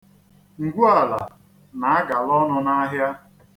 Ngwuala na-agala ọnụ n'ahịa.